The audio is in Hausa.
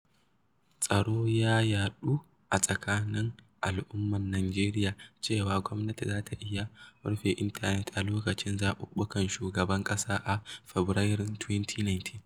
Tsoro ya yaɗu a tsakanin al'ummar Najeriya cewa gwamnati za ta iya rufe intanet a lokutan zaɓuɓɓukan shugaban ƙasa a Fabarairun 2019.